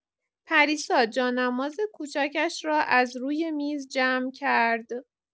پریسا جانماز کوچکش را از روی میز جمع کرد.